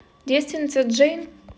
девственница джейн